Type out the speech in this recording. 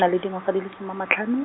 na le dingwaga di le soma a matlhano.